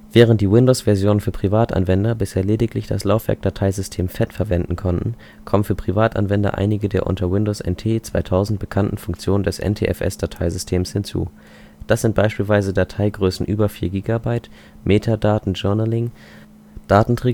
Während die Windowsversionen für Privatanwender bisher lediglich das Laufwerksdateisystem FAT verwenden konnten, kommen für Privatanwender einige der unter Windows NT/2000 bekannten Funktionen des NTFS-Dateisystems hinzu. Das sind beispielsweise Dateigrößen über 4 GB, Metadaten-Journaling, Datenträgerkontingente